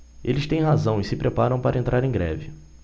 eles têm razão e se preparam para entrar em greve